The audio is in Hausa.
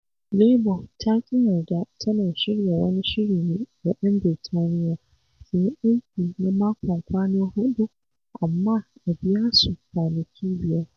Labour ta ƙi yarda tana shirya wani shiri ne ga 'yan Birtaniyya su yi aiki na makon kwana huɗu amma a biya su kwanaki biyar